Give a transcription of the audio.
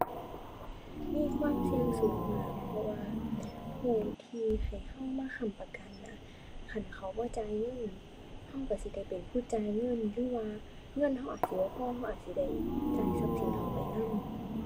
มีความเสี่ยงสูงมาก เพราะว่าผู้ที่ให้เรามาค้ำประกันน่ะ คันเขาบ่จ่ายเงิน เราเราสิได้เป็นผู้จ่ายเงิน หรือว่าเงินเราอาจสิบ่พอ เราอาจสิได้จ่ายทรัพย์สินเราไปนำ